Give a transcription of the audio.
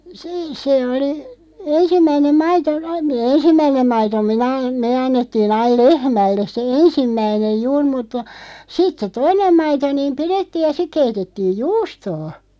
se se oli ensimmäinen maito aina - ensimmäinen maito minä me annettiin aina lehmälle se ensimmäinen juuri mutta sitten se toinen maito niin pidettiin ja sitten keitettiin juustoa